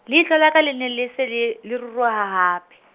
Leihlo la ka le ne le se le, le ruruha hape.